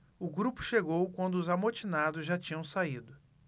o grupo chegou quando os amotinados já tinham saído